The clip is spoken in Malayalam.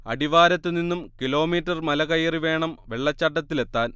അടിവാരത്ത് നിന്നും കിലോമീറ്റർ മലകയറി വേണം വെള്ളച്ചാട്ടത്തിലെത്താൻ